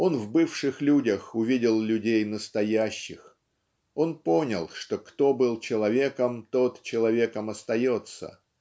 Он в бывших людях увидел людей настоящих он понял что кто был человеком тот человеком остается